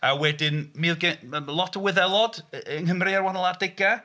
A wedyn, mi oedd gen m- m- lot o Wyddelod y- yng Nghymru ar wahanol adegau.